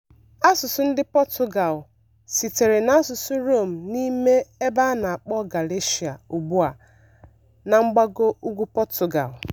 Asụsụ ndị Portugal sitere n'asụsụ Rome n'ime ebe a na-akpọ Galicia ugbu a na mgbago ugwu Portugal.